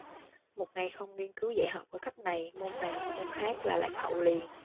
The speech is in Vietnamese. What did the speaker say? một ngày không nghiên cứu dạy học ở cấp này môn này môn khác là lạc hậu liền